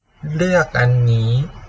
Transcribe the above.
เลือกอันนี้